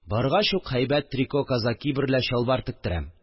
Баргач ук, һәйбәт трико казаки берлә чалбар тектерәм